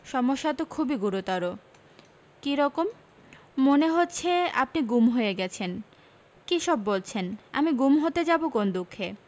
সমস্যা তো খুবই গুরুতর কী রকম মনে হচ্ছে আপনি গুম হয়ে গেছেন কী সব বলছেন আমি গুম হতে যাব কোন দুঃখে